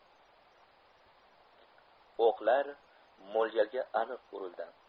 o'qlar mo'ljalga aniq urildi